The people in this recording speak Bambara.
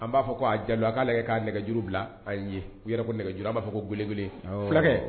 An b'a fɔ ko ja k'a lajɛ k' nɛgɛjuru bila ye yɛrɛ ko nɛgɛj b'a fɔ ko geleele fulakɛ